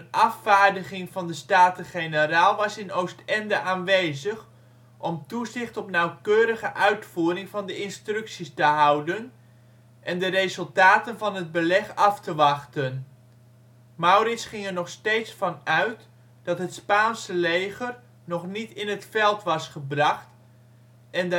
afvaardiging van de Staten-Generaal was in Oostende aanwezig om toezicht op nauwkeurige uitvoering van de instructies te houden en de resultaten van het beleg af te wachten. Maurits ging er nog steeds van uit dat het Spaanse leger nog niet in het veld was gebracht en